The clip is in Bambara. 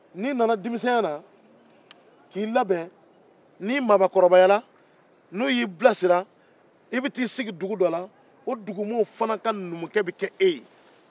n'i nana denmisɛnniya la k'i labɛn n'i mɔgɔkɔrɔbayala n'u y'i bilasira u b'i taa i bila dugu dɔ la o dugumɔgow fana ka numukɛ bɛ kɛ e ye